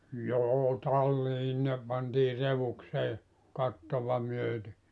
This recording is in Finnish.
joo talliin ne pantiin redukseen kattoa myöten